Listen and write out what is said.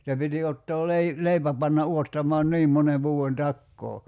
se piti ottaa - leipä panna odottamaan niin monen vuoden takaa